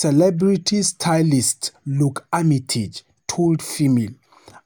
Celebrity stylist Luke Armitage told FEMAIL: